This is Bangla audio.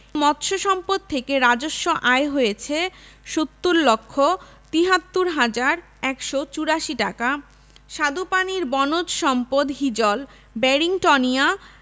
মৎস্য সম্পদ থেকে রাজস্ব আয় হয়েছে ৭০লক্ষ ৭৩হাজার ১৮৪ টাকা স্বাদুপানির বনজ সম্পদ হিজল ব্যারিংটনিয়া